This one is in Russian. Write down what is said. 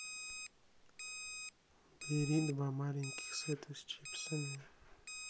убери два маленьких сета с чипсами